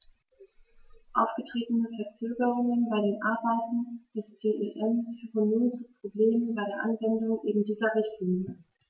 Aufgetretene Verzögerungen bei den Arbeiten des CEN führen nun zu Problemen bei der Anwendung eben dieser Richtlinie.